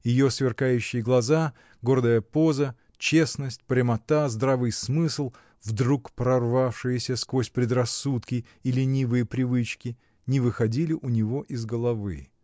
Ее сверкающие глаза, гордая поза, честность, прямота, здравый смысл, вдруг прорвавшиеся сквозь предрассудки и ленивые привычки, — не выходили у него из головы.